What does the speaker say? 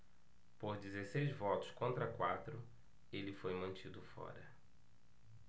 por dezesseis votos contra quatro ele foi mantido fora